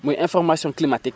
muy information climatique